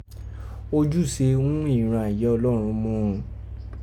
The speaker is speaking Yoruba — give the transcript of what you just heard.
Ojuse ghún iran yìí ọlọ́rọn mú ghun un.